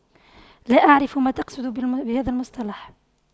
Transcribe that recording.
لا أعرف ما تقصد بهذا المصطلح